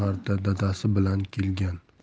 marta dadasi bilan kelgan